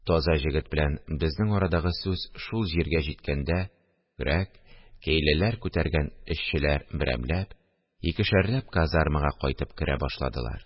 Таза җегет белән безнең арадагы сүз шул җиргә җиткәндә, көрәк, кәйләләр күтәргән эшчеләр берәмләп, икешәрләп казармага кайтып керә башладылар